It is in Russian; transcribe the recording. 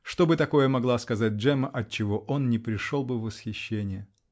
Что бы такое могла сказать Джемма, от чего он не пришел бы в восхищение?